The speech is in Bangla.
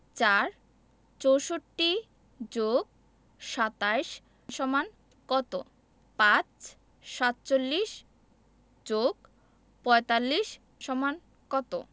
৪ ৬৪ + ২৭ = কত ৫ ৪৭ + ৪৫ = কত